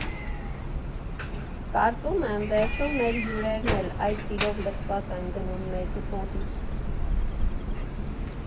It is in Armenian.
Կարծում եմ, վերջում մեր հյուրերն էլ այդ սիրով լցված են գնում մեզ մոտից։